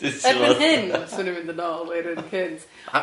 Erbyn hyn, 'swn i'n mynd yn ôl i'r un cynt.